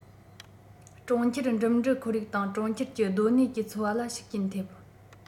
གྲོང ཁྱེར འགྲིམ འགྲུལ ཁོར ཡུག དང གྲོང ཁྱེར གྱི སྡོད གནས ཀྱི འཚོ བ ལ ཤུགས རྐྱེན ཐེབས